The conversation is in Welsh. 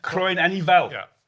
Croen anifail... Ia.